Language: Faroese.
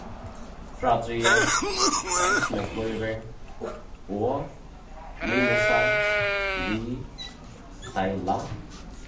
frádrigið hvussu nógv blívur og minusa við deila